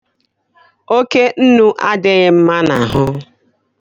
Oke nnu adịghị mma n'ahụ.